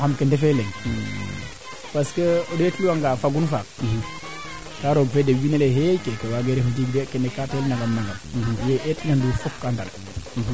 xana watma xana xool to alee pour an laŋ ke ando naye kaa mbaax laŋ kuu ngu ponga kusax o gasa nga o ndiko tutuñ o ndeet kam fee laŋ kaaga moƴno mbaax